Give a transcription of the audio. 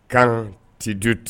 Quand tu doutes